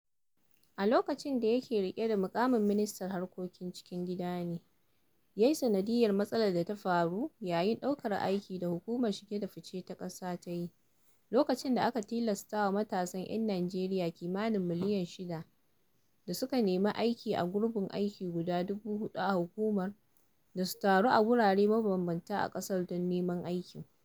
A lokacin da yake riƙe da muƙamin ministan harkokin cikin gida ne yayi sandiyyar matsalar da ta faru yayin ɗaukar aikin da Hukumar Shige da Fice ta ƙasa ta yi, lokacin da aka tilastawa matasa 'yan Nijeriya kimanin miliyan 6 da suka nemi aiki a gurbin aiki guda 4000 a hukumar da su taru a wurare mabambamta a ƙasar don neman aikin.